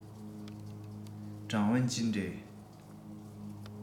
ཀྲང ཝུན ཅུན རེད